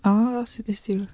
O, sut wnest ti?